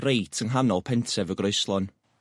reit yng nghanol pentref y Groeslon.